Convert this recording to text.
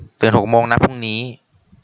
ตื่นหกโมงนะพรุ่งนี้